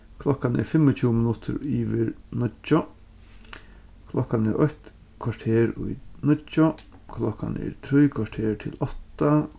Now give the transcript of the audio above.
klokkan er fimmogtjúgu minuttir yvir níggju klokkan er eitt korter í níggju klokkan er trý korter til átta